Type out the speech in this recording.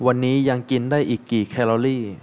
วันนี้ยังกินได้อีกกี่แคลอรี่